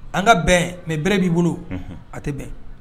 An ka bɛn mɛ bɛɛ b'i bolo a tɛ bɛn